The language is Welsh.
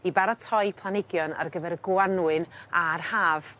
i baratoi planhigion ar gyfer y Gwanwyn a'r Haf.